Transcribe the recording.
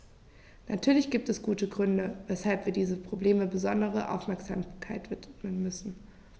Natürlich gibt es gute Gründe, weshalb wir diesem Problem besondere Aufmerksamkeit widmen müssen.